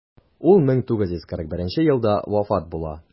Ул 1941 елда вафат була.